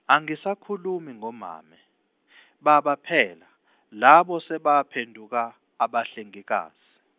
angisakhulumi ngomame , baba phela labo sebaphenduka abahlengikazi.